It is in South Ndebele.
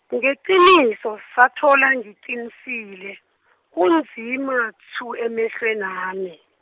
ngeqiniso, sathola ngiqinisile, kunzima tshu emehlwenami.